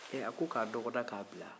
ee a ko k'a dɔgɔda k'a bila